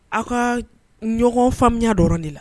Aw kaa ɲɔgɔn faamuya dɔrɔn de la